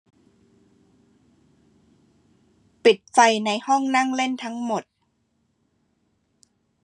ปิดไฟในห้องนั่งเล่นทั้งหมด